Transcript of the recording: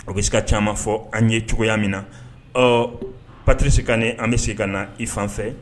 A bɛ se ka ca fɔ an ye cogoya min na ɔ patiri se ka ne an bɛ se ka na i fan fɛ